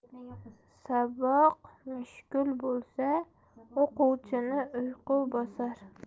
saboq mushkul bo'lsa o'quvchini uyqu bosar